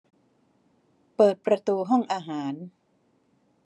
เปิดประตูห้องอาหาร